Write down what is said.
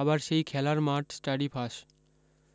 আবার সেই খেলার মাঠ স্টাডি ফাস